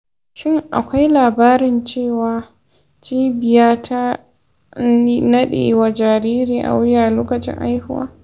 shin akwai labarin cewa cibiya ta naɗe wa jaririn a wuya lokacin haihuwa?